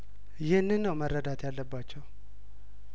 ይህንን ነው መረዳት ያለባቸው